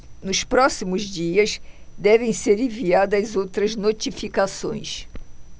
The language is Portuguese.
nos próximos dias devem ser enviadas as outras notificações